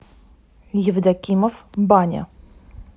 евдокимов баня